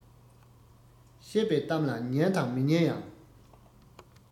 བཤད པའི གཏམ ལ ཉན དང མི ཉན ཡང